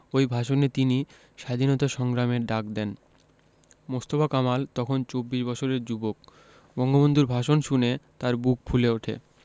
ওই ভাষণে তিনি স্বাধীনতা সংগ্রামের ডাক দেন মোস্তফা কামাল তখন চব্বিশ বছরের যুবক বঙ্গবন্ধুর ভাষণ শুনে তাঁর বুক ফুলে ওঠে